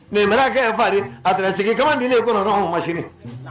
Ninkɛ fa a tɛmɛ sigi kamalen di ye kɔnɔ mase